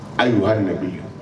Ayiwa aw de bi